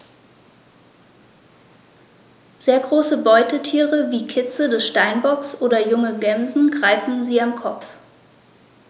Sehr große Beutetiere wie Kitze des Steinbocks oder junge Gämsen greifen sie am Kopf.